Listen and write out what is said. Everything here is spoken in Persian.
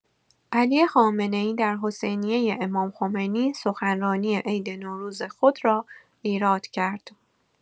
علی خامنه‌ای در حسینیه امام‌خمینی سخنرانی عید نوروز خود را ایراد کرد.